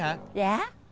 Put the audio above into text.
dạ